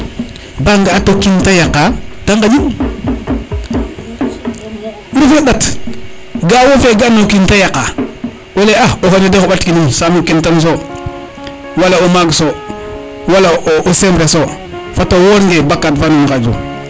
ba nga ato kiin te yaqa te ŋaƴin refe ndat ga'a wo fe gana o kiin te yaqa o leye ax o xene de xoɓat kinum sam kentan so wala o maag so wala o semres'o fato woor nge bakad fa nuun ngaaj run